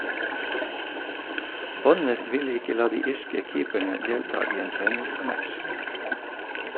Bonner ville ikke la de irske keeperne delta i en treningsmatch.